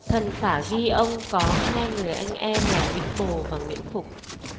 thần phả ghi ông có hai người anh em là nguyễn bồ và nguyễn phục